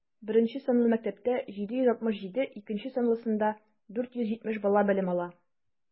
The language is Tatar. Беренче санлы мәктәптә - 767, икенче санлысында 470 бала белем ала.